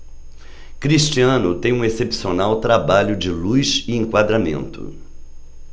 cristiano tem um excepcional trabalho de luz e enquadramento